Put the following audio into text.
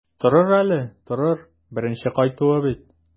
Торыр әле, торыр, беренче кайтуы бит.